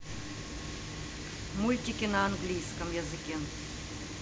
мультики на английском языке